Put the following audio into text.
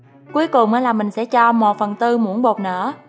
cuối cùng là mình sẽ cho muỗng bột nở